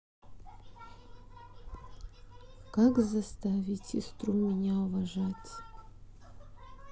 как заставить сестру уважать меня